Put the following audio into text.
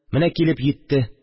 Менә килеп йитте